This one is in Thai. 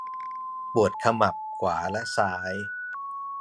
ปวดขมับขวาและซ้าย